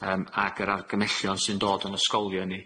yym ag yr argymellion sy'n dod o'n ysgolion ni.